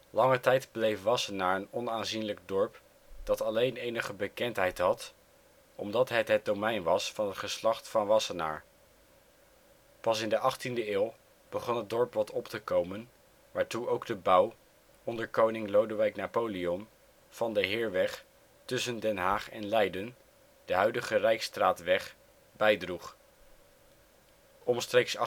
Lange tijd bleef Wassenaar een onaanzienlijk dorp, dat alleen enige bekendheid had omdat het het domein was van het geslacht Van Wassenaer. Pas in de 18e eeuw begon het dorp wat op te komen, waartoe ook de bouw, onder koning Lodewijk Napoleon, van de " Heerweg " tussen Den Haag en Leiden (de huidige Rijksstraatweg) bijdroeg. Omstreeks